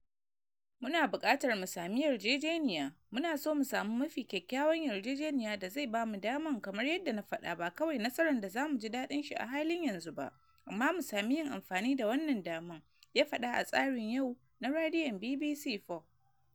“Mu na bukatar mu samu yarjejeniya. Mu na so mu samu mafi kyakkyawan yarjejeniya da zai bamu daman kamar yadda na fada ba kawai nasaran da zamu ji dadin shi a halin yanzu ba amma mu samu yin amfani da wannan daman,” ya fada a tsarin Yau na Radiyon BBC 4.